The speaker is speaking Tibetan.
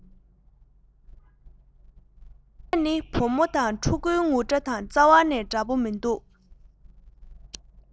ངུ སྒྲ ནི བུ མོ དང ཕྲུ གུའི ངུ སྒྲ དང རྩ བ ནས འདྲ པོ མི འདུག